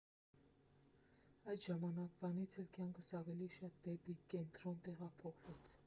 Այդ ժամանակվանից էլ կյանքս ավելի շատ դեպի կենտրոն տեղափոխվեց.